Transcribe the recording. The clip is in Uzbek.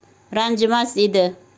ranjimas edi